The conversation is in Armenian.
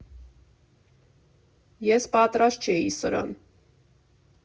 Ես պատրաստ չէի սրան։